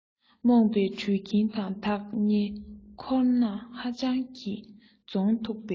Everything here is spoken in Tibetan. རྨོངས པས འདྲུལ གྱིན པ དག ཉེ འཁོར ན ཧ ཅང གི རྫོང མཐུག པས